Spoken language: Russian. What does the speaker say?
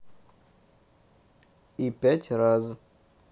и пять раз